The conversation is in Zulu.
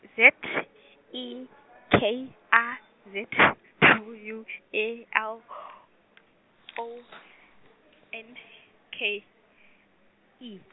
Z, E, K, A, Z, W, E, L, O, N, K, E.